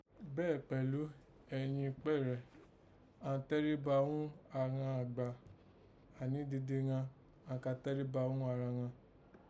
Bẹ́ kpẹ̀lú, ẹ̀yin ìkpẹ́ẹ̀rẹ́, an tẹ́ríba ghún àghan àgbà. Àní dede ghan, an ka tẹ́ríba ghún ara ghan